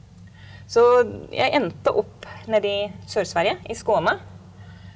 så jeg endte opp nedi Sør-Sverige, i Skåne.